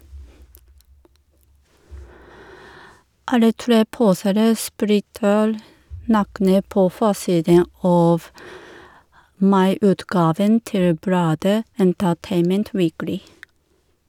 Alle tre poserer splitter nakne på forsiden av maiutgaven til bladet Entertainment Weekly.